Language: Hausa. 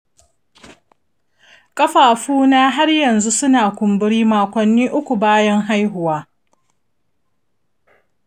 ƙafafuna har yanzu suna kumbure makonni uku bayan haihuwa.